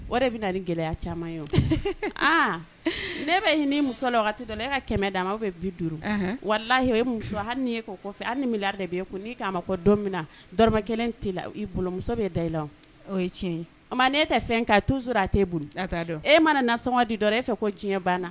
Bɛ ni gɛlɛya caman ne bɛ muso la e ka kɛmɛ d aw bɛ bi duuru wala muso hali ni ye kɔ kɔfɛ ni de bɛ ye n' k'a ma ko don min dba kelen tɛ la i bolo muso bɛ da i la tɛ fɛn k'a to a tɛ bolo e mana nana na sɔn di dɔrɔn e fɛ ko tiɲɛ banna